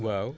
waaw